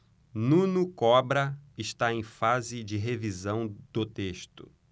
nuno cobra está em fase de revisão do texto